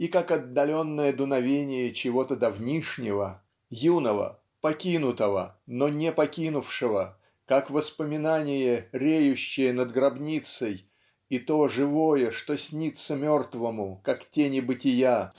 И как отдаленное дуновение чего-то давнишнего юного покинутого но не покинувшего как воспоминание реющее над гробницей и то живое что снится мертвому как тени бытия